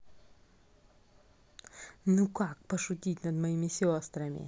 ну как пошутить над моими сестрами